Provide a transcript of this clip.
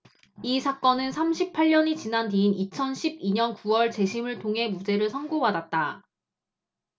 이 사건은 삼십 팔 년이 지난 뒤인 이천 십 이 년 구 월 재심을 통해 무죄를 선고받았다